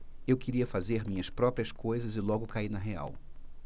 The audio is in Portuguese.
eu queria fazer minhas próprias coisas e logo caí na real